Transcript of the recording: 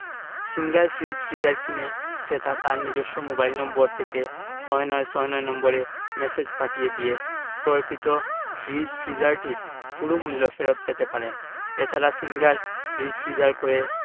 singer fridge freezer কিনে ক্রেতা তার নিজস্ব মোবাইল নম্বর থেকে ৬৯৬৯ নম্বরে ম্যাসেজ পাঠিয়ে দিয়ে ক্রয়কৃত ফ্রিজ/ফ্রিজারটির পুরো মূল্য ফেরত পেতে পারেন এ ছাড়া সিঙ্গার ফ্রিজ/ফ্রিজার ক্রয়ে